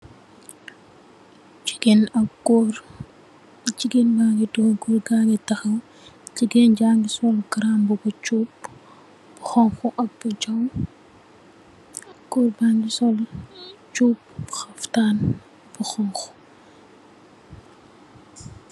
Jigeen ak gór, jigeen ba ngi tóóg gór ga ngi taxaw. Jigeen ja ngi sol garambubu cuub xonxu ak bu jaw, gór ba ngi sol cuub xaptan bu xonxu.